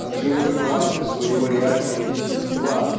от живой правды своего реального естества